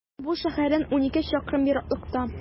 Бу шәһәрдән унике чакрым ераклыкта.